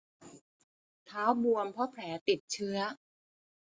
เท้าบวมเพราะแผลติดเชื้อ